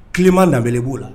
Kileman Danbele b'u la.